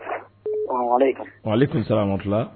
Mali tun sera tila